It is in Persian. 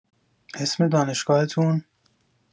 اسم دانشگاهتون؟